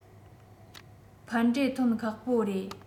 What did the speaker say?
ཕན འབྲས ཐོན ཁག པོ རེད